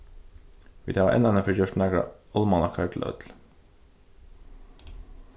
vit hava enn einaferð gjørt nakrar álmanakkar til øll